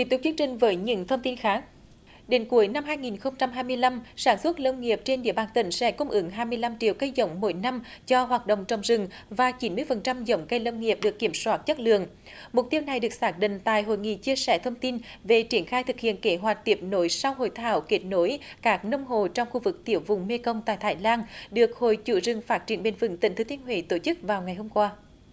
tiếp tục thuyết trình với những thông tin khác đến cuối năm hai nghìn không trăm hai mươi lăm sản xuất nông nghiệp trên địa bàn tỉnh sẽ cung ứng hai mươi lăm triệu cây giống mỗi năm cho hoạt động trồng rừng và chín mươi phần trăm giống cây lâm nghiệp được kiểm soát chất lượng mục tiêu này được xác định tại hội nghị chia sẻ thông tin về triển khai thực hiện kế hoạch tiếp nối sau hội thảo kết nối các nông hộ trong khu vực tiểu vùng mê công tại thái lan được hội chủ rừng phát triển bền vững tỉnh thừa thiên huế tổ chức vào ngày hôm qua